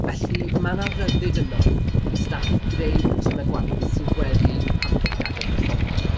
Felly mae 'na ryddid yno i staff greu patrymau gwaith sy'n gweddu i'w hamgylchiadau personol.